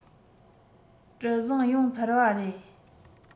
གྲུ གཟིངས ཡོངས ཚར པ རེད